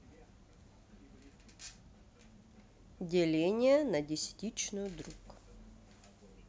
деление на десятичную друг